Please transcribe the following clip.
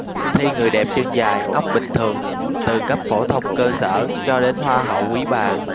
thi người đẹp chân dài óc bình thường từ cấp phổ thông cơ sở cho đến hoa hậu quý bà